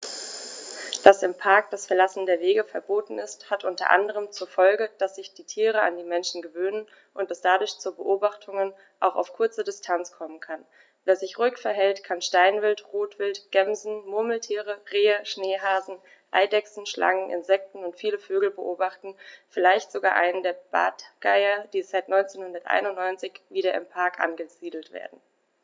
Dass im Park das Verlassen der Wege verboten ist, hat unter anderem zur Folge, dass sich die Tiere an die Menschen gewöhnen und es dadurch zu Beobachtungen auch auf kurze Distanz kommen kann. Wer sich ruhig verhält, kann Steinwild, Rotwild, Gämsen, Murmeltiere, Rehe, Schneehasen, Eidechsen, Schlangen, Insekten und viele Vögel beobachten, vielleicht sogar einen der Bartgeier, die seit 1991 wieder im Park angesiedelt werden.